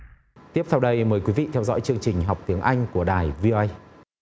tiếp sau đây mời quý vị theo dõi chương trình học tiếng anh của đài vi o ây